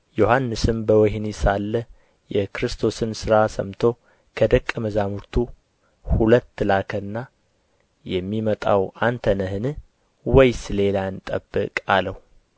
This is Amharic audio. ዮሐንስም በወህኒ ሳለ የክርስቶስን ሥራ ሰምቶ ከደቀ መዛሙርቱ ሁለት ላከና የሚመጣው አንተ ነህን ወይስ ሌላ እንጠብቅ አለው